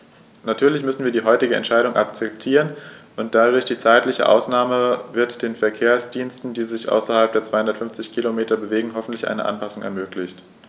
Natürlich müssen wir die heutige Entscheidung akzeptieren, und durch die zeitliche Ausnahme wird den Verkehrsdiensten, die sich außerhalb der 250 Kilometer bewegen, hoffentlich eine Anpassung ermöglicht.